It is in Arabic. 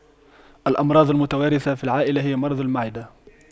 الأمراض المتوارثة في العائلة هي مرض المعدة